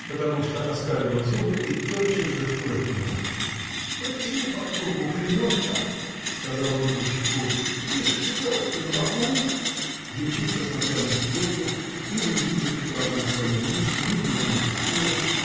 потому что оскалила зубы и тотчас же фыркнула. – Подтяни подпругу у коренной-то – сказал он ямщику – вишь седелка-то на боку! Ямщик посмотрел на седелку и увидев что она на своем месте не тронулся с козел